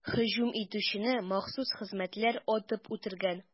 Һөҗүм итүчене махсус хезмәтләр атып үтергән.